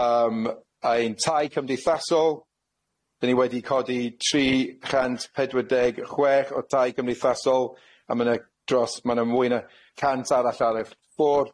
Yym ein tai cymdeithasol, dan ni wedi codi tri chant pedwar deg chwech o tai cymdeithasol a ma' na dros ma' na mwy na cant arall ar y ffor'.